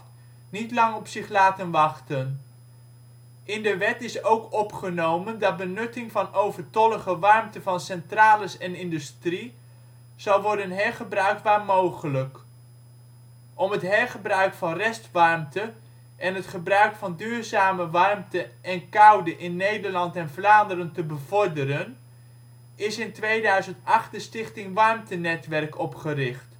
lang op zich laten wachten. In de wet is ook opgenomen, dat benutting van overtollige warmte van centrales en industrie zal worden hergebruikt waar mogelijk. Om het hergebruik van restwarmte en het gebruik van duurzame warmte en koude in Nederland en Vlaanderen te bevorderen, is in 2008 de stichting Warmtenetwerk opgericht